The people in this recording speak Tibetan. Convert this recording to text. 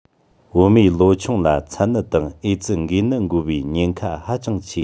བུད མེད ལོ ཆུང ལ མཚན ནད དང ཨེ ཙི འགོས ནད འགོ བའི ཉེན ཁ ཧ ཅང ཆེ